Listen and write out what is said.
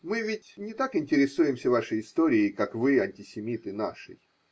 Мы ведь не так интересуемся вашей историей, как вы, антисемиты, нашей.